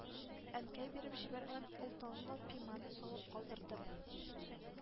Әнкәй биреп җибәргән олтанлы пиманы салып калдырдым.